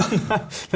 nei.